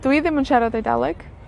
Dwi ddim yn siarad Eidaleg.